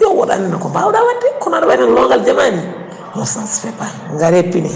yo wot anne ko bawɗa wadde ko aɗa way tan no longal jaama ni non ça se fait pas gara piini